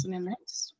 Swnio'n neis.